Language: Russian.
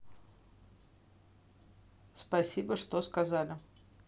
спасибо что сказали